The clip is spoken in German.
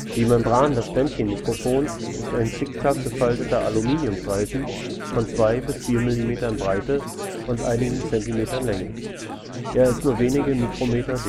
Die Membran des Bändchenmikrofons ist ein zickzack-gefalteter Aluminiumstreifen von zwei bis vier Millimetern Breite und einigen Zentimetern Länge. Er ist nur wenige Mikrometer